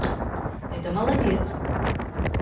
это молодец